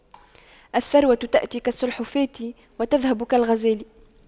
الثروة تأتي كالسلحفاة وتذهب كالغزال